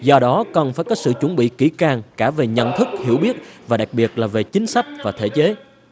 do đó cần phải có sự chuẩn bị kỹ càng cả về nhận thức hiểu biết và đặc biệt là về chính sách và thể chế